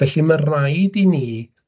Felly ma' raid i ni...